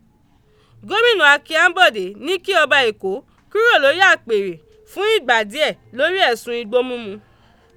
Gómìnà Akin Àḿbọ̀dé ni kí ọba Èkó kúrò lórí àpèrè fún ìgbà díẹ̀ lórí ẹ̀sùn igbó mímu.